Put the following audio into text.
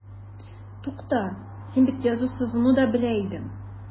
Тукта, син бит язу-сызуны да белә идең.